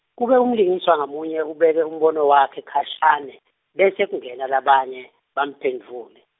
kube umlingiswa ngamunye ubeke umbono wakhe khashane, bese kungena labanye, bamphendvule.